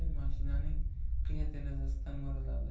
mashinaning qiya derazachasidan mo'raladi